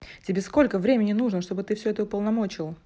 тебе сколько времени нужно чтобы ты все это уполномочил